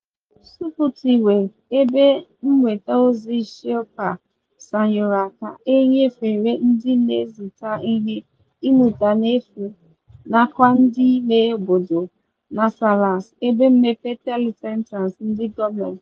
Sọfụtụwịe ebe mnweta ozi Shilpa Sayura ka e nyefere ndị na-ezita ihe mmụta n'efu nakwa ndị ime obodo Nansalas, ebe mmepe telecentres ndị gọọmenti.